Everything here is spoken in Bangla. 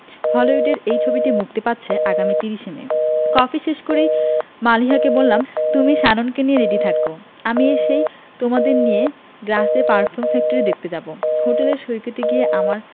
হলিউডের এই ছবিটি মুক্তি পাচ্ছে আগামী ৩০ মে কফি শেষ করেই মালিহাকে বললাম তুমি শ্যাননকে নিয়ে রেডি থেকো আমি এসেই তোমাদের নিয়ে গ্রাসে পারফিউম ফ্যাক্টরি দেখতে যাবো হোটেলের সৈকতে গিয়ে আমার